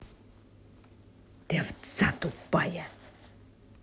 ты овца тупая